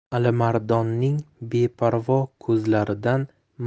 alimardonning beparvo ko'zlaridan